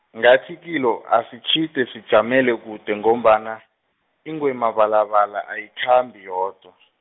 ngathi kilo asitjhide sijamele kude ngombana, ingwemabala bala ayikhambi yodwa.